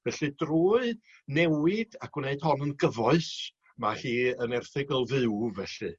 Felly drwy newid a gwneud hon yn gyfoes ma' hi yn erthygl fyw felly